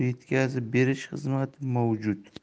yetkazib berish xizmati mavjud